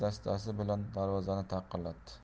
dastasi bilan darvozani taqillatdi